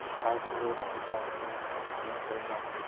uning qaysi urug'dan ekanligini bilmabdi